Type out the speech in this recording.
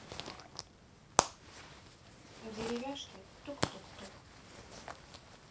деревяшки тук тук тук